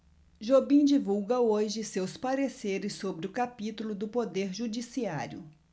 jobim divulga hoje seus pareceres sobre o capítulo do poder judiciário